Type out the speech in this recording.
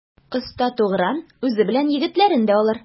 Оста Тугран үзе белән егетләрен дә алыр.